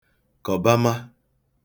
kọ̀bama